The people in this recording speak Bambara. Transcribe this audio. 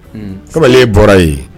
Fɔlɔ bɔra ye